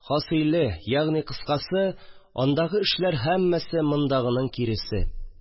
Хасыйле, ягъни кыскасы , андагы эшләр – һәммәсе мондагының киресе